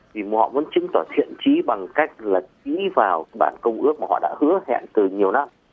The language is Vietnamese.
thì họ muốn chứng tỏ thiện chí bằng cách là ký vào bản công ước mà họ đã hứa hẹn từ nhiều năm